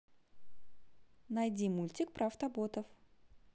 найди мультик про автоботов